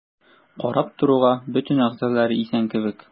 Карап торуга бөтен әгъзалары исән кебек.